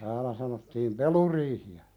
täällä sanottiin peluriihiä